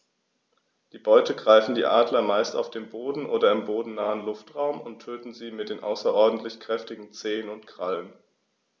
Die Beute greifen die Adler meist auf dem Boden oder im bodennahen Luftraum und töten sie mit den außerordentlich kräftigen Zehen und Krallen.